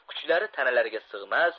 kuchlari tanalariga sig'mas